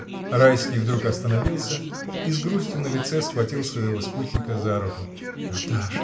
Райский вдруг остановился и, с грустью на лице, схватил своего спутника за руку. — Наташа!